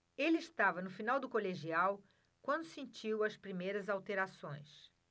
ele estava no final do colegial quando sentiu as primeiras alterações